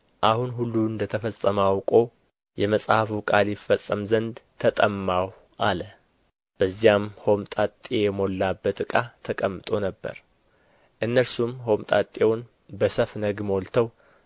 አሁን ሁሉ እንደተፈጸመ አውቆ የመጽሐፉ ቃል ይፈጸም ዘንድ ተጠማሁ አለ በዚያም ሆምጣጤ የሞላበት ዕቃ ተቀምጦ ነበር እነርሱም ሆምጣጤውን በሰፍነግ ሞልተው